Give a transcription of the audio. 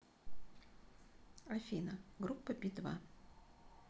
афина группа би два